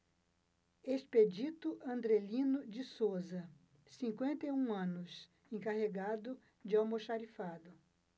expedito andrelino de souza cinquenta e um anos encarregado de almoxarifado